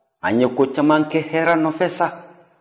an ye ko caman kɛ hɛɛrɛ nɔfɛ sa